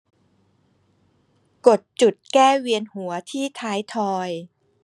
กดจุดแก้เวียนหัวที่ท้ายทอย